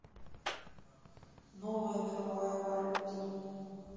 новая мировая валюта